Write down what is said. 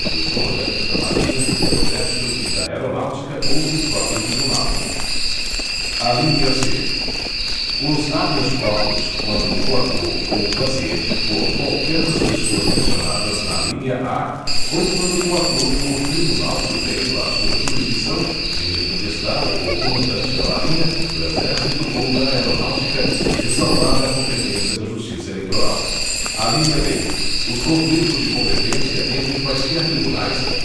dos comandantes da marinha do exército e da aeronáutica ou do próprio tribunal alínea c os habeas corpus quando o coator ou paciente for qualquer das pessoas mencionadas na alínea a ou quando o coator for tribunal sujeito à sua jurisdição ministro de estado ou comandante da marinha do exército ou da aeronáutica ressalvada a competência da justiça eleitoral alínea d os conflitos de competência entre quaisquer tribunais